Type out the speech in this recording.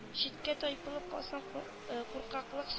Читкә тайпылып калсаң куркаклык